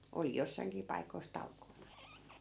oli jossainkin paikoissa talkoona